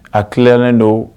A tilalen don